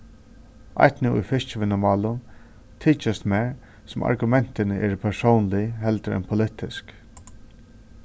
eitt nú í fiskivinnumálum tykist mær sum argumentini eru persónlig heldur enn politisk